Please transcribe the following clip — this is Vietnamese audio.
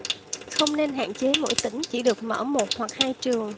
không nên hạn chế mỗi tỉnh chỉ được mở một hoặc hai trường